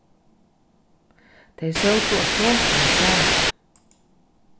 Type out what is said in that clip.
tey sótu á sofuni saman